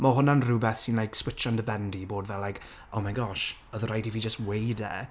Ma' hwnna'n rywbeth sy'n, like, switsho'n dy ben di i bod fel like oh my gosh, oedd rhaid i fi jyst weud e,